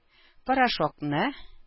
Порошокны